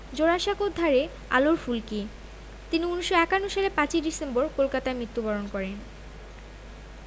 জোড়াসাঁকোর ধারে আলোর ফুলকি তিনি ১৯৫১ সালে ৫ই ডিসেম্বর কলকাতায় মৃত্যুবরণ করেন